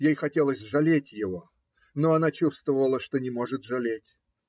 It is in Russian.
Ей хотелось жалеть его, но она чувствовала, что не может жалеть.